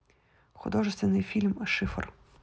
художественный фильм шифр